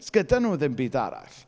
'S gyda nhw ddim byd arall.